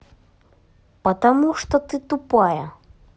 потому что ты тупая